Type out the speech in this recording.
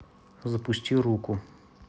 запусти руку